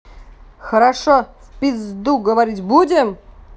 хорошо в пизду говорить будем